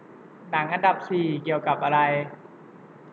หนังอันดับสี่เกี่ยวกับอะไร